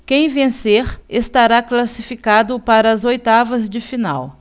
quem vencer estará classificado para as oitavas de final